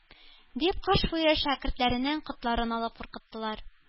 Дип кыш буе шәкертләрнең котларын алып куркыттылар.